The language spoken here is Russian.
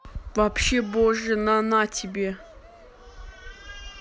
вообще боже на на на тебе